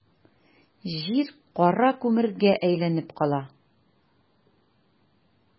Җир кара күмергә әйләнеп кала.